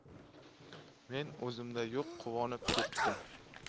men o'zimda yo'q quvonib ketdim